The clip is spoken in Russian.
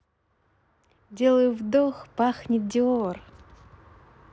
делаю вдох пахнет dior